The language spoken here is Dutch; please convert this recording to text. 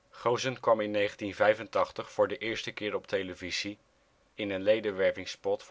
Goossen kwam in 1985 voor de eerste keer op televisie in een ledenwervingsspot